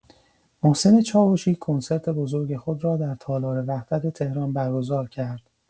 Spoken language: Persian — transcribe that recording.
محسن چاوشی کنسرت بزرگ خود را در تالار وحدت تهران برگزار کرد.